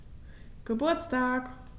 Geburtstag